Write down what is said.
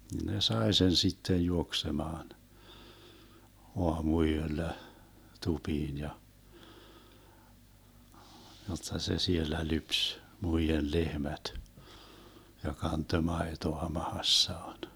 ne sai sen sitten juoksemaan aamuyöllä tupiin ja jotta se siellä lypsi muiden lehmät ja kantoi maitoa mahassaan